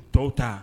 Tɔw ta